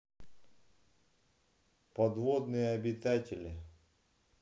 подводные обитатели